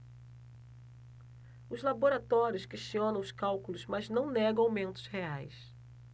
os laboratórios questionam os cálculos mas não negam aumentos reais